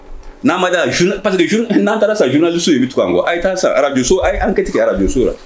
N'aa ma d'a la journa parce que journ n'an taara sisan journaliste u de b'i tugun an kɔ aye taa sisan Radio sow aye anquète kɛ Radio sow la